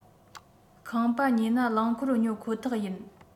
ཁང པ ཉོས ན རླངས འཁོར ཉོ ཁོ ཐག ཡིན